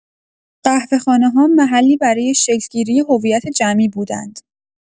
قهوه‌خانه‌ها محلی برای شکل‌گیری هویت جمعی بودند.